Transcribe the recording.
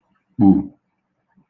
kpù